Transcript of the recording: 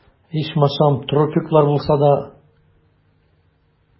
Ичмасам, тропиклар булса да...